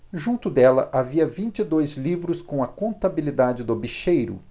junto dela havia vinte e dois livros com a contabilidade do bicheiro